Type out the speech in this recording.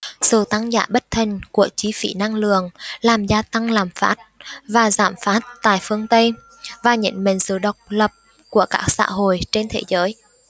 sự tăng giá bất thần của chi phí năng lượng làm gia tăng lạm phát và giảm phát tại phương tây và nhấn mạnh sự độc lập của các xã hội trên thế giới